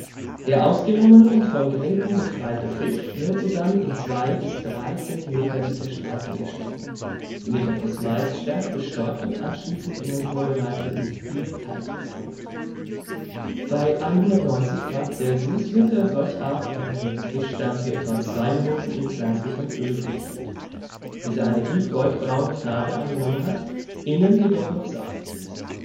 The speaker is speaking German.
Der ausgenommene und von Gräten befreite Fisch wird sodann in zwei bis drei Zentimeter dicke Streifen geschnitten, die mit etwas Maisstärke bestäubt und anschließend in den vorbereiteten Bierteig getunkt werden. Bei 190 Grad Celsius wird der solcherart präparierte Fisch dann für etwa zwei Minuten in pflanzlichem Öl frittiert, bis er eine tief goldbraune Farbe angenommen hat, innen jedoch noch saftig ist